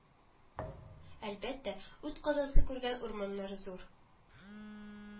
Әлбәттә, ут казасы күргән урманнар, зур